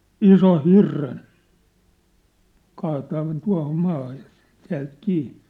ison hirren kaataa noin tuohon maahan ja täältä kiinni